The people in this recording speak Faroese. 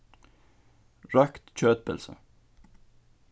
roykt kjøtpylsa